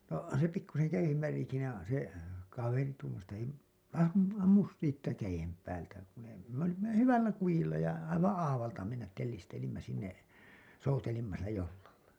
no se pikkuisen jäiden väliä siinä se kaveri tuumasi että ei muuta - ammu siitä käden päältä kun ei me olimme jo hyvällä kujilla ja aivan aavalta mennä tellistelimme sinne soutelimme sillä jollalla